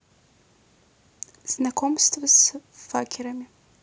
знакомство с факерами